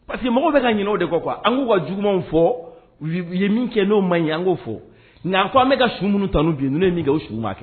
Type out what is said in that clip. Pasekeye mɔgɔw bɛ ka ɲinininɛ o de kɔ an k'u ka jugumanw fɔ u ye min kɛ n'o man ɲi an ko fɔ nka ko' an bɛka ka sunumunu tanu bi n' ne ye min' s ma kɛ